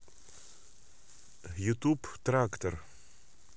ютуб трактор